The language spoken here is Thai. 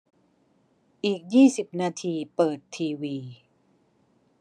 อีกยี่สิบนาทีเปิดทีวี